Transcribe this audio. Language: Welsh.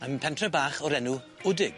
Ma'n pentre bach o'r enw Wdig.